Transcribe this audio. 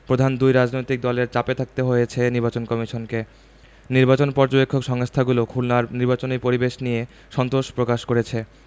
প্রধান দুই রাজনৈতিক দলের চাপে থাকতে হয়েছে নির্বাচন কমিশনকে নির্বাচন পর্যবেক্ষক সংস্থাগুলো খুলনার নির্বাচনী পরিবেশ নিয়ে সন্তোষ প্রকাশ করেছে